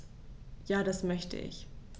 Ja, das möchte ich.